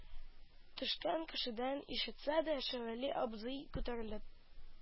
Төшкән кешедән ишетсә дә, шәвәли абзый күтәрелеп